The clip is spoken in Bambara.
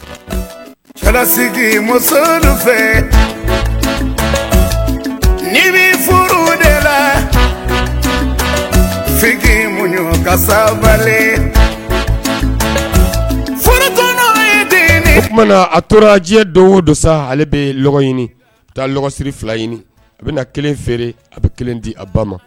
Ni bɛ furu la muɲ sabali a tora diɲɛ do donsa ale bɛ ɲini taa siri fila ɲini a bɛ na kelen feere a bɛ kelen di a ba ma